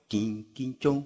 tin kin njoo